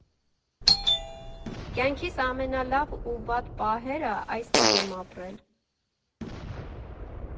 Կյանքիս ամենալավ ու վատ պահերը այստեղ եմ ապրել։